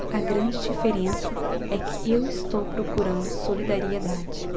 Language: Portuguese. a grande diferença é que eu estou procurando solidariedade